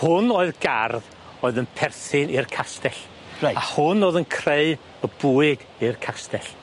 Hwn oedd gardd oedd yn perthyn i'r castell. Reit. A hwn oedd yn creu y bwyd i'r castell.